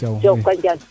Ndane jokonjal